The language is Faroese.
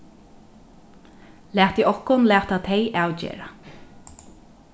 latið okkum lata tey avgera